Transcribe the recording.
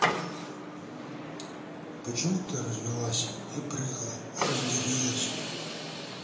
почему ты развелась и прыгала разделилась